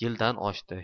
yildan oshdi